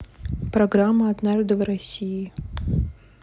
программа однажды в россии